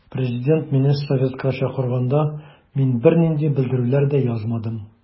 Президент мине советка чакырганда мин бернинди белдерүләр дә язмадым.